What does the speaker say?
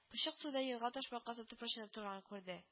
—почык суда елга ташбакасы тыпырчынып торганын күрде